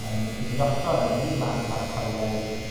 yym i ni osod mewn un man bach tawel,